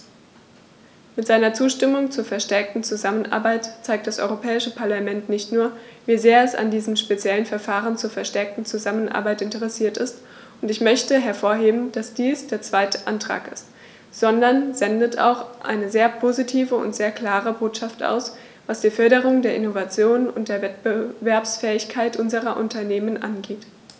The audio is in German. Mit seiner Zustimmung zur verstärkten Zusammenarbeit zeigt das Europäische Parlament nicht nur, wie sehr es an diesem speziellen Verfahren zur verstärkten Zusammenarbeit interessiert ist - und ich möchte hervorheben, dass dies der zweite Antrag ist -, sondern sendet auch eine sehr positive und sehr klare Botschaft aus, was die Förderung der Innovation und der Wettbewerbsfähigkeit unserer Unternehmen angeht.